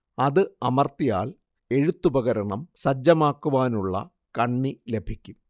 അത് അമർത്തിയാൽ എഴുത്തുപകരണം സജ്ജമാക്കുവാനുള്ള കണ്ണി ലഭിക്കും